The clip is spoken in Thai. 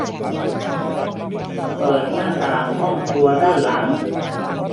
เปิดหน้าต่างห้องครัวด้านหลัง